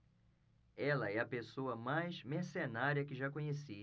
ela é a pessoa mais mercenária que já conheci